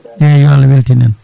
eyyi yo Allah weltin en